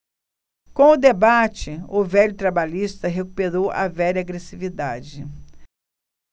com o debate o velho trabalhista recuperou a velha agressividade